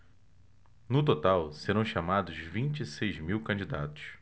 no total serão chamados vinte e seis mil candidatos